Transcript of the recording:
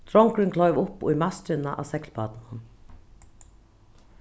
drongurin kleiv upp í mastrina á seglbátinum